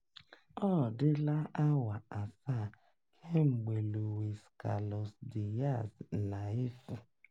Ọ dịla awa asaa kemgbe Luis Carlos Díaz na-efu.